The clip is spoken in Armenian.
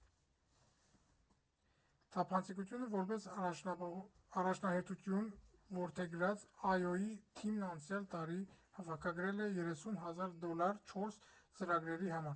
Թափանցիկությունը որպես առաջնահերթություն որդեգրած ԱՅՈ֊ի թիմն անցյալ տարի հավաքագրել է երեսուն հազար դոլար չորս ծրագրերի համար։